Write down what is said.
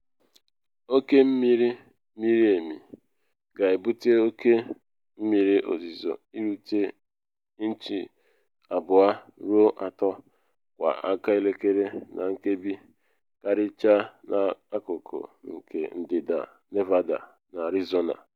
Oke mmiri miri emi ga-ebute oke mmiri ozizo irute inchi 2 ruo 3 kwa aka elekere na nkebi, karịchara n’akụkụ nke ndịda Nevada na Arizona.